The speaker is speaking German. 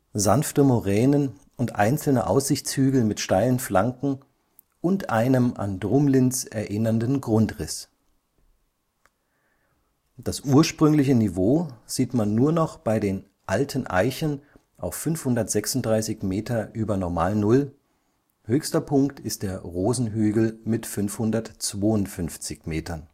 sanfte Moränen und einzelne Aussichtshügel mit steilen Flanken und einem an Drumlins erinnernden Grundriss. Das ursprüngliche Niveau sieht man nur noch bei den Alten Eichen auf 536 m ü. NN, höchster Punkt ist der Rosenhügel mit 552 m